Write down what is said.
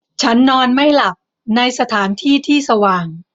ฉันนอนไม่หลับในสถานที่ที่สว่าง